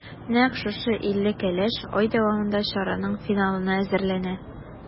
Нәкъ шушы илле кәләш ай дәвамында чараның финалына әзерләнә.